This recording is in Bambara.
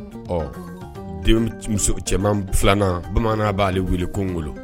Ɔ den cɛman 2nan Bmanan b'ale wele ko ngolo.